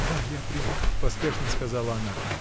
— Да, я приму, — поспешно сказала она.